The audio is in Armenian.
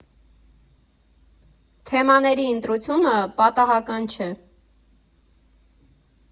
Թեմաների ընտրությունը պատահական չէ։